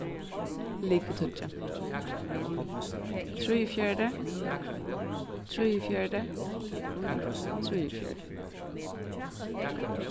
er ligvið tíggju trýogfjøruti trýogfjøruti trýogfjøruti